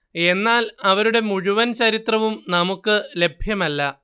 എന്നാൽ അവരുടെ മുഴുവൻ ചരിത്രവും നമുക്ക് ലഭ്യമല്ല